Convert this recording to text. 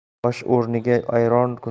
osh o'rniga ayron